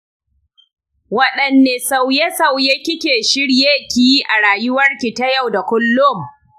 wadanne sauye-sauye kike shirye ki yi a rayuwarki ta yau da kullum?